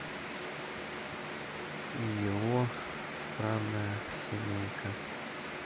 и его странная семейка